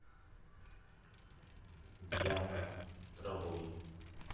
бьянка травой